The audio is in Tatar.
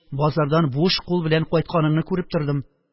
Базардан буш кул белән кайтканыңны күреп тордым